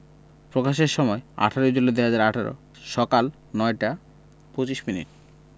প্রকাশের সময় ১৮ জুলাই ২০১৮ সকাল ৯টা ২৫ মিনিট